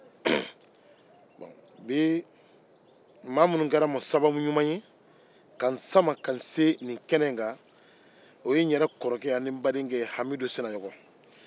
bi maa min kɛra n ma sababu ɲuman ka n sama ka se kɛnɛ in kan o ye n yɛrɛ kɔrɔkɛ hamidu sinayɔkɔ ye